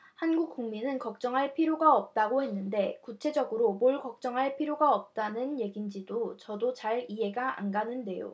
한국 국민은 걱정할 필요가 없다고 했는데 구체적으로 뭘 걱정할 필요가 없다는 얘긴지 저도 잘 이해가 안 가는데요